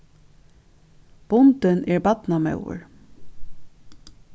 bundin er barnamóðir